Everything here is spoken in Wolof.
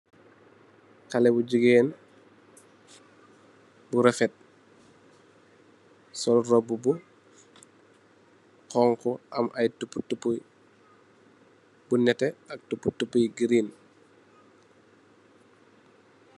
Haley bu jigeen bu rafet, sol robbu bu honku am ay tup-tup bu nètè ak tup-tup yi green.